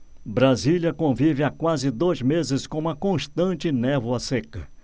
brasília convive há quase dois meses com uma constante névoa seca